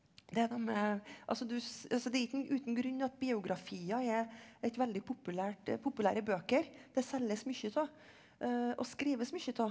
det er noe med altså du altså det er ikke uten grunn at biografier er et veldig populært populære bøker det selges mye av og skrives mye av.